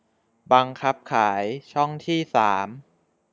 บังคับขายช่องที่สาม